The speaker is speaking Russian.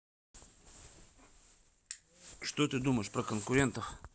что ты думаешь про конкурентов